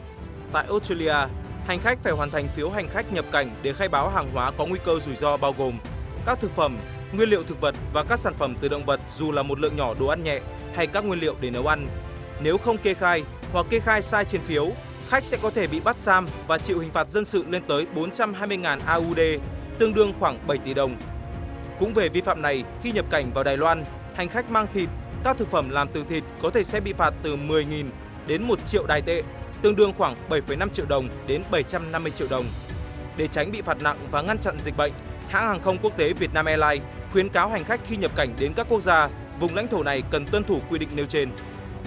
tại ốt trây li a hành khách phải hoàn thành phiếu hành khách nhập cảnh để khai báo hàng hóa có nguy cơ rủi ro bao gồm các thực phẩm nguyên liệu thực vật và các sản phẩm từ động vật dù là một lượng nhỏ đồ ăn nhẹ hay các nguyên liệu để nấu ăn nếu không kê khai hoặc kê khai sai trên phiếu khách sẽ có thể bị bắt giam và chịu hình phạt dân sự lên tới bốn trăm hai mươi ngàn a u đê tương đương khoảng bảy tỷ đồng cũng về vi phạm này khi nhập cảnh vào đài loan hành khách mang thịt các thực phẩm làm từ thịt có thể sẽ bị phạt từ mười nghìn đến một triệu đài tệ tương đương khoảng bảy phẩy năm triệu đồng đến bảy trăm năm mươi triệu đồng để tránh bị phạt nặng và ngăn chặn dịch bệnh hãng hàng không quốc tế vietnam airlines khuyến cáo hành khách khi nhập cảnh đến các quốc gia vùng lãnh thổ này cần tuân thủ quy định nêu trên